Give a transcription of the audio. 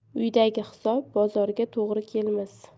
uydagi hisob bozorga to'g'ri kelmas